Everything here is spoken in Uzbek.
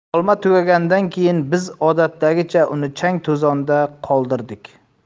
olma tugagandan keyin biz odatdagicha uni chang to'zonda qoldirdik